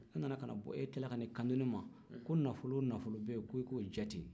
a nana ka na bɔ e tilala k'i kanto ne ma ko nafolo o nafolo bɛ ye ko e k'o jate